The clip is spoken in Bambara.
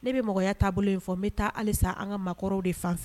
Ne bɛ mɔgɔya taabolo in fɔ n bɛ taa halisa an ka maakɔrɔw de fan fɛ